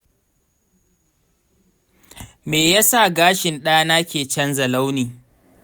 meyasa gashin ɗa na ke canza launi?